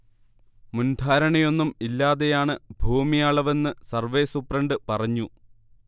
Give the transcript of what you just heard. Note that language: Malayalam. മുൻധാരണയൊന്നും ഇല്ലാതെയാണ് ഭൂമി അളവെന്ന് സർവേ സൂപ്രണ്ട് പറഞ്ഞു